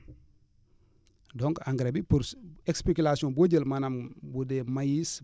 donc engrais bi pour spéculation boo jël maanaam bu dee maïs